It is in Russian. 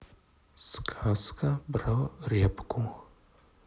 сказка про репку